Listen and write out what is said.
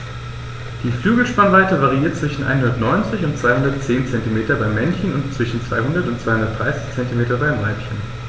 Die Flügelspannweite variiert zwischen 190 und 210 cm beim Männchen und zwischen 200 und 230 cm beim Weibchen.